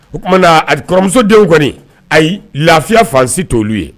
O tumaumana na ali kɔrɔmusodenw kɔni ayi lafiya fansi t' oluolu ye